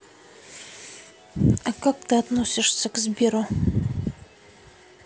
а как ты относишься к сберу